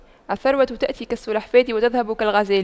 الثروة تأتي كالسلحفاة وتذهب كالغزال